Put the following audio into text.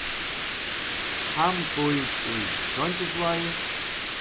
hann býr í trongisvági